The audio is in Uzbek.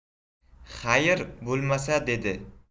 xayr bo'lmasa dedi